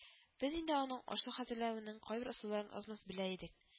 Без инде аның аш-су хәзерләүенең кайбер ысулларын аз-маз белә идек